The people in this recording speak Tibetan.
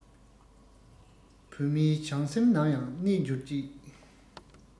བོད མིའི བྱང སེམས ནམ ཡང གནས འགྱུར ཅིག